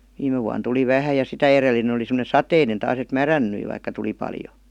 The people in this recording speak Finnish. viime vuonna tuli vähän ja sitä edellinen oli semmoinen sateinen taas että mädäntyi vaikka tuli paljon